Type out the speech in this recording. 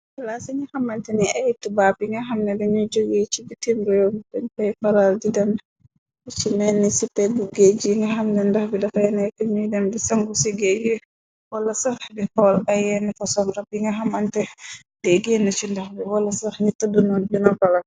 La sa ñi xamante ni ay tubaab yi nga xamna bañuy jogee ci bi timroo beñ pay paral di den ci menni ci pegu géej yi nga xamne ndax bi daxayeneki ñuy dem di sangu sigée yi wala sax bi xool ayyeni foson rab yi nga xamante dégéen ci ndax bi wala sax ni taddunoon bina pala.